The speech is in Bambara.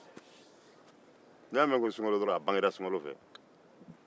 n'i y'a mɛn dɔrɔn ko sunkalo a bangera sunkalo fɛ